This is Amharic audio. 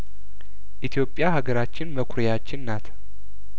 ኢትዮጵያ ሀገራችን መኩሪያችን ናት